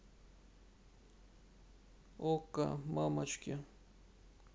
окко мамочки